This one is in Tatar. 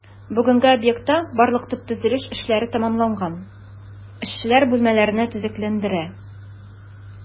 Бүгенгә объектта барлык төп төзелеш эшләре тәмамланган, эшчеләр бүлмәләрне төзекләндерә.